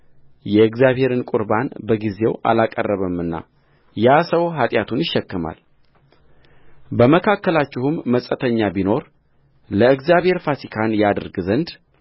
የእግዚአብሔርን ቍርባን በጊዜው አላቀረበምና ያ ሰው ኃጢአቱን ይሸከማልበመካከላችሁም መጻተኛ ቢኖር ለእግዚአብሔር ፋሲካን ያደርግ ዘንድ